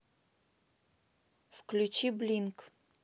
включи блинк